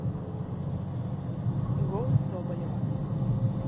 голы соболева